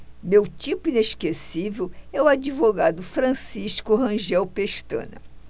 meu tipo inesquecível é o advogado francisco rangel pestana